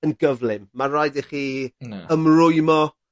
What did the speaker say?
yn gyflym ma' raid i chi... Na. ...ymrwymo